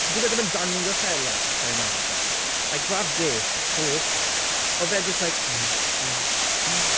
Dyw e ddim yn dangos e lot sa i'n meddwl. Like that date was so awkward. Oedd e jyst like "Mm, ie, ie".